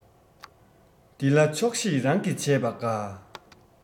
འདི ལ ཆོག ཤེས རང གིས བྱས པ དགའ